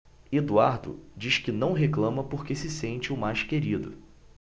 eduardo diz que não reclama porque se sente o mais querido